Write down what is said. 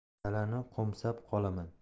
dalani qo'msab qolaman